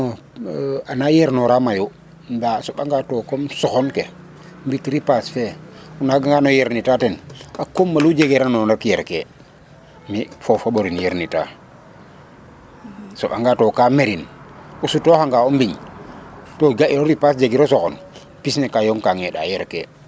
bon ana yer nora mayu nda a soɓa nga to comme soxon ke mbit ripaas fe o naga ngano yer ni ta ten a koma lo jege ranona yer ke mi fofo ɓor im yer nita a soɓa ga to ka merin o suto xanga o ɓiñ to ge iro ripaas ge iro soxon pis ne ka yoŋ ka ŋeeɗa yer ke